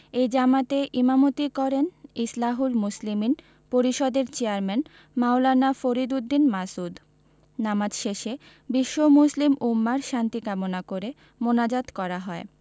এই জামাতে ইমামতি করেন ইসলাহুল মুসলিমিন পরিষদের চেয়ারম্যান মাওলানা ফরিদ উদ্দীন মাসউদ নামাজ শেষে বিশ্ব মুসলিম উম্মাহর শান্তি কামনা করে মোনাজাত করা হয়